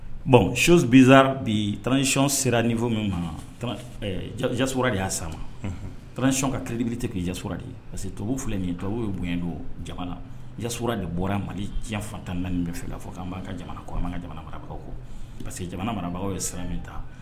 Bon s bisaa bi tancɔn sera ni fɔ min ja de y'a sama ma tancɔn ka kib tigɛ k'i jara de ye parce que tobabu fila nin tubabu ye bonya don jamana jasso de bɔra mali diɲɛ fan tan naani bɛ fɛ fɔ k'an jamana ko an ma ka jamana marabagaw kɔ parce que jamana marabagaw ye siran min ta